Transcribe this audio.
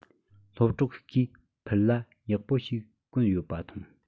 སློབ གྲོགས ཤིག གིས ཕུར ལྭ ཡག པོ ཞིག གོན ཡོད པ མཐོང